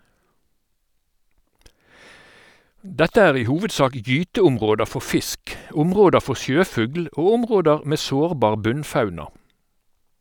Dette er i hovedsak gyteområder for fisk, områder for sjøfugl og områder med sårbar bunnfauna.